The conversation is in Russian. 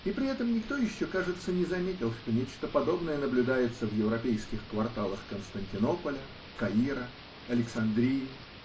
И при этом никто еще, кажется, не заметил, что нечто подобное наблюдается в европейских кварталах Константинополя, Каира, Александрии.